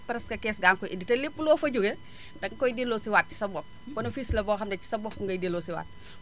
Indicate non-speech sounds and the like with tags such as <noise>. presque kees gaa ngi koy indi te lépp loo fa jógee <breath> dangakoy delloosiwaat ci sa bopp bénéfice <noise> la boo xam ne ci sa bopp ngay delloosiwaat